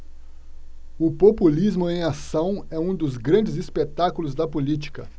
o populismo em ação é um dos grandes espetáculos da política